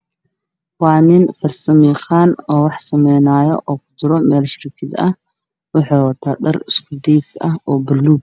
Waa niman farsama yaqaan ah oo kujiro meel shirkad ah waxuu wataa dhar iskudeys ah oo buluug ah.